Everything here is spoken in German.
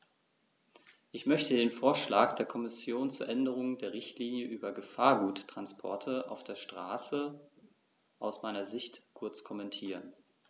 Ich möchte den Vorschlag der Kommission zur Änderung der Richtlinie über Gefahrguttransporte auf der Straße aus meiner Sicht kurz kommentieren.